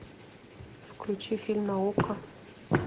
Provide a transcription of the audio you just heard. включи фильм на окко